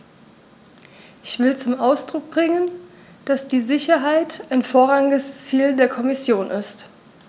Ich will zum Ausdruck bringen, dass die Sicherheit ein vorrangiges Ziel der Kommission ist.